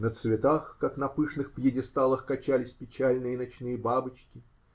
На цветах, как на пышных пьедесталах, качались печальные ночные бабочки.